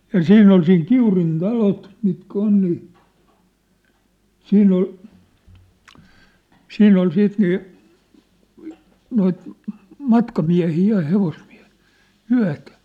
ja siinä oli siinä Kiurin talot mitkä on niin siinä oli siinä oli sitten niin noita matkamiehiä ja hevosmiehiä yötä